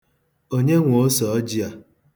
Onye nwe osọọjị a?